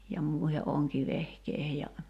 ja muiden onkivehkeiden ja